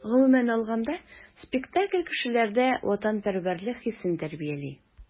Гомумән алганда, спектакль кешеләрдә ватанпәрвәрлек хисен тәрбияли.